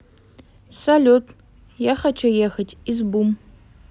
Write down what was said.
салют я хочу ехать из doom